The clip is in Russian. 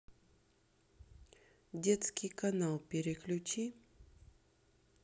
детский канал переключи